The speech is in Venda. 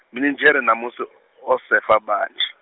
minidzhere mamusi , osefa vhanzhi .